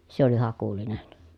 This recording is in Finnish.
se oli Hakulinen